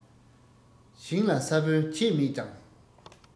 ཞིང ལ ས བོན ཁྱད མེད ཀྱང